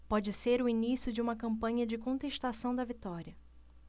pode ser o início de uma campanha de contestação da vitória